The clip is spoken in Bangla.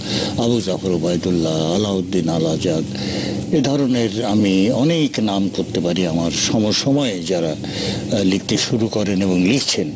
আবু জাফর ওবায়দুল্লাহ আলাউদ্দিন আল আজাদ এ ধরনের আমি অনেক নাম করতে পারি আমার সম সময়ে যারা লিখতে শুরু করেন এবং লিখছেন